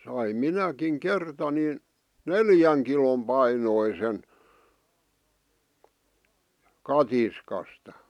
sain minäkin kerta niin neljän kilon painoisen katiskasta